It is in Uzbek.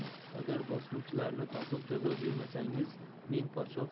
agar bosqinchilarni topib jazo bermasangiz men podshoh